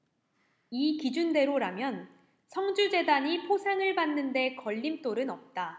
이 기준대로라면 성주재단이 포상을 받는 데 걸림돌은 없다